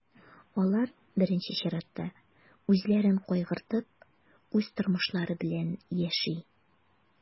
Алар, беренче чиратта, үзләрен кайгыртып, үз тормышлары белән яши.